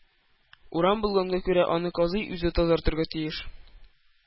Урам булганга күрә, аны казый үзе тазартырга тиеш,